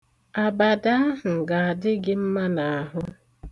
Abada ahụ ga-adị gị mma n'ahụ.